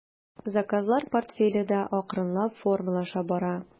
Заказлар портфеле дә акрынлап формалаша бара.